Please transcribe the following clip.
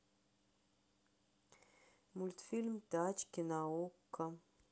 мультфильм тачки на окко